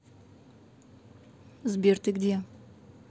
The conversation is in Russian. сбер ты где